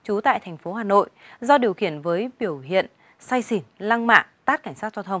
trú tại thành phố hà nội do điều khiển với biểu hiện say xỉn lăng mạ tát cảnh sát giao thông